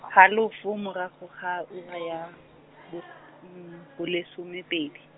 halofo morago ga ura ya, bo- , bolesome pedi.